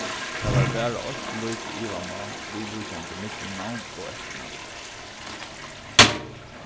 tað var bara eitt lítið ivamál viðvíkjandi millumnavn og eftirnavn